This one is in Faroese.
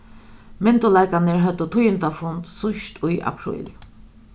myndugleikarnir høvdu tíðindafund síðst í apríl